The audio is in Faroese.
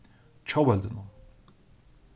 tjóðveldinum